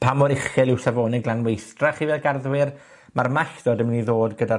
pa mor uchel yw safonw glanweithdra chi fel garddwyr. Ma'r malltod yn myn' i ddod gyda'r